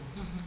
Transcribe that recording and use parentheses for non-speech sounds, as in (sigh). (hesitation) (hesitation)